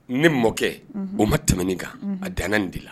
Ne mɔkɛ o ma tɛmɛn kan a dan nin de la